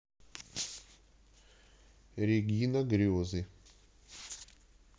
регина грезы